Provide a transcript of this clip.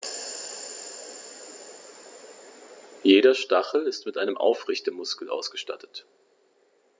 Jeder Stachel ist mit einem Aufrichtemuskel ausgestattet.